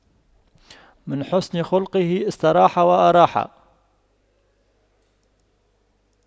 من حسن خُلُقُه استراح وأراح